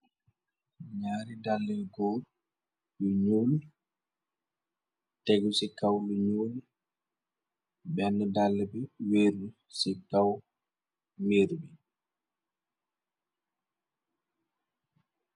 Naari dall góor , yu ñuul tegu ci kaw lu ñuul , benn dàll bi wéeru ci taw miir bi.